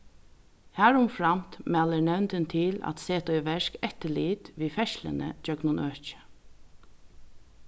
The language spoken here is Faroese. harumframt mælir nevndin til at seta í verk eftirlit við ferðsluni gjøgnum økið